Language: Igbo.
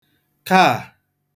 kaà